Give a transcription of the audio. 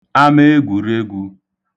ameegwùregwū